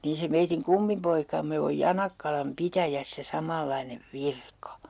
niin se meidän kummipoikamme on Janakkalan pitäjässä samanlainen virka